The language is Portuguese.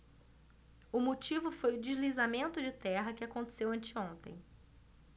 o motivo foi o deslizamento de terra que aconteceu anteontem